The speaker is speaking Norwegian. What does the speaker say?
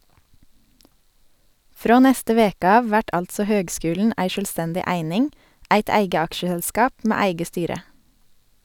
Frå neste veke av vert altså høgskulen ei sjølvstendig eining, eit eige aksjeselskap med eige styre.